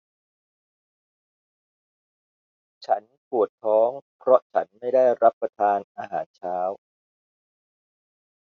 ฉันปวดท้องเพราะฉันไม่ได้รับประทานอาหารเช้า